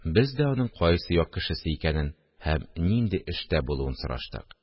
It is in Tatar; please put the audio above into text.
Без дә аның кайсы як кешесе икәнен һәм нинди эштә булуын сораштык